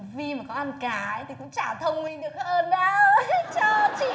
vy mà có ăn cá thì cũng chả thông minh được hơn đâu cho chị